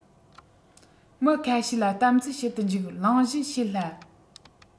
མི ཁ ཤས ལ དམ འཛིན བྱེད དུ འཇུག གླེང གཞི བྱེད སླ